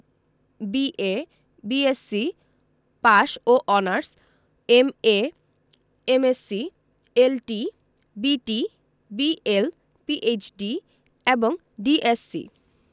BA BSc pass ও honours MA MSc LT BT BL PhD এবং DSc